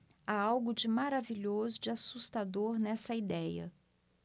há algo de maravilhoso e de assustador nessa idéia